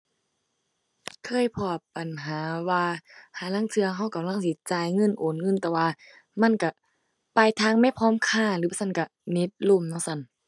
เคยพ้อปัญหาว่าห่าลางเทื่อเรากำลังสิจ่ายเงิน โอนเงิน แต่ว่ามันเราปลายทางไม่พร้อมค่ะหรือบ่ซั้นเราเน็ตล่มเนาะซั้น